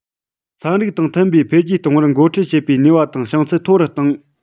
ཚན རིག དང མཐུན པའི འཕེལ རྒྱས གཏོང བར འགོ ཁྲིད བྱེད པའི ནུས པ དང བྱང ཚད མཐོ རུ བཏང